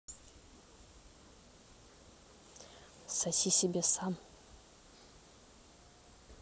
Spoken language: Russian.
соси себе сам